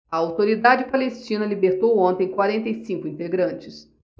a autoridade palestina libertou ontem quarenta e cinco integrantes